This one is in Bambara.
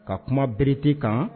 Ka kuma Berete kan